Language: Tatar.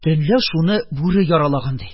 Төнлә шуны бүре яралаган, ди.